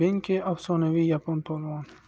benkey afsonaviy yapon polvoni